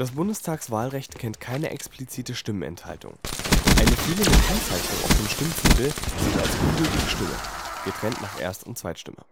Bundestagswahlrecht kennt keine explizite Stimmenthaltung; eine fehlende Kennzeichnung auf dem Stimmzettel zählt als ungültige Stimme (getrennt nach Erst - und Zweitstimme